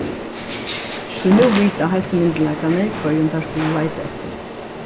tí nú vita heilsumyndugleikarnir hvørjum teir skulu leita eftir